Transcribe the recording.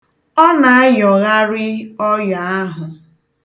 Ọ na-ayọgharị ọyọ ahụ.